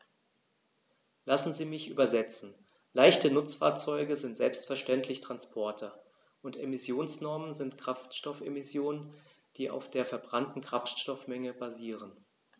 Lassen Sie mich übersetzen: Leichte Nutzfahrzeuge sind selbstverständlich Transporter, und Emissionsnormen sind Kraftstoffemissionen, die auf der verbrannten Kraftstoffmenge basieren.